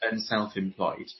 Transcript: yn self employed.